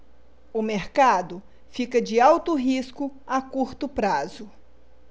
o mercado fica de alto risco a curto prazo